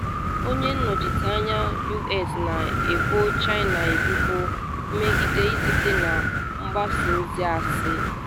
Onye nnọchite anya U.S na-ebo China Ebubo “mmegide” site na ‘mgbasa ozi asị’